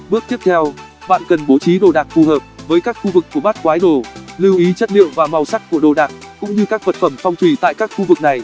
bước tiếp theo bạn cần bố trí đồ đạc phù hợp với các khu vực của bát quái đồ lưu ý chất liệu và màu sắc của đồ đạc cũng như các vật phẩm phong thủy tại các khu vực này